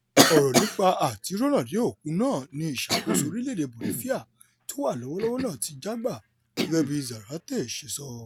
“Ọ̀rọ̀ nípa àtirọ́nàde òkun náà ni ìṣàkóso orílẹ̀-èdè Bolifia tówà lọ́wọ́lọ́wọ́ náà ti já gbà,'' gẹgẹ bíi Zárate ṣe sọ.